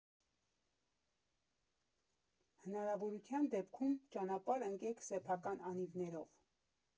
Հնարավորության դեպքում ճանապարհ ընկեք սեփական անիվներով։